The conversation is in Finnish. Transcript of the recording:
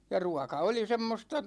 ja ruoka oli semmoista